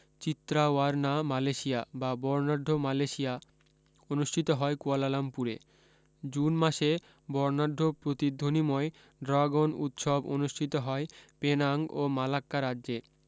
Citrawarna Malaysia বা বরণাঢ্য Malaysia অনুষ্ঠিত হয় কুয়ালালামপুরে জুন মাসে বরণাঢ্য প্রতিধ্বনিময় ডরাগন উৎসব অনুষ্ঠিত হয় পেনাঙ্গ ও মালাক্কা রাজ্যে